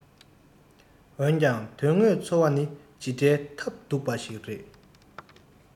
འོན ཀྱང དོན དངོས འཚོ བ ནི ཇི འདྲའི ཐབས སྡུག པ ཞིག རེད